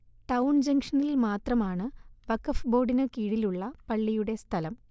town ജങ്ഷനിൽമാത്രമാണ് വഖഫ് ബോർഡിന് കീഴിലുള്ള പള്ളിയുടെ സ്ഥലം